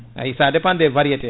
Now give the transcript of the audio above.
ayi sa dépend des variétés